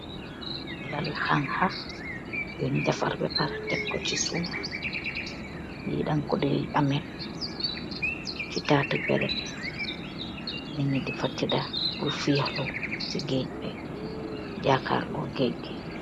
lali hangha ,bunj derfaar beh pareh tekko ce suuf, nijnyi defa tehda purr fehluu.